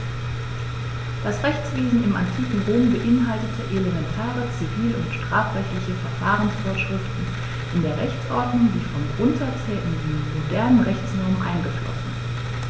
Das Rechtswesen im antiken Rom beinhaltete elementare zivil- und strafrechtliche Verfahrensvorschriften in der Rechtsordnung, die vom Grundsatz her in die modernen Rechtsnormen eingeflossen sind.